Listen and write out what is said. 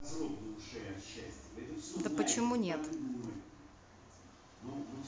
да почему нет